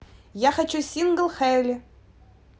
я хочу single hailee